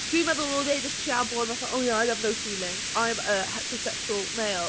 Dwi'n meddwl roedd e jyst yn trio bod fatha fel, "Oh yeah, I have no feelings, I'm a heterosexual male."